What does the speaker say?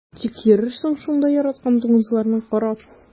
Тик йөрерсең шунда яраткан дуңгызларыңны карап.